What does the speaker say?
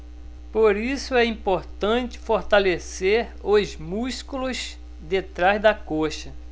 por isso é importante fortalecer os músculos de trás da coxa